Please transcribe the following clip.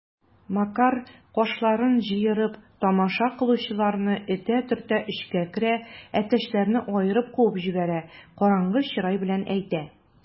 Макар, кашларын җыерып, тамаша кылучыларны этә-төртә эчкә керә, әтәчләрне аерып куып җибәрә, караңгы чырай белән әйтә: